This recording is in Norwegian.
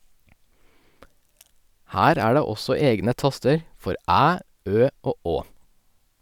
Her er det også egne taster for æ, ø og å.